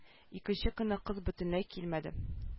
Икенче көнне кыз бөтенләй килмәде